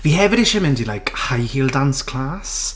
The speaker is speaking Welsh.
Fi hefyd eisiau mynd i like, high heel dance class.